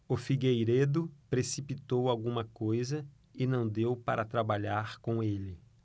o figueiredo precipitou alguma coisa e não deu para trabalhar com ele